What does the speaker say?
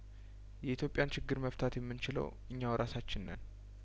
የኢትዮጵያን ችግር መፍታት የምንችለው እኛው እራሳችን ነን